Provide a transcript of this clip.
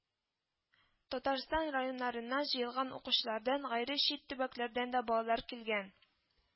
Татарстан районнарыннан җыелган укучылардан гайре чит төбәкләрдән дә балалар килгән